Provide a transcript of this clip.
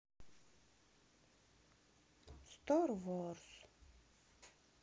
стар варс